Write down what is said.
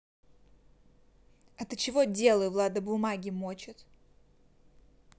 а ты чего делаю влада бумаги мочит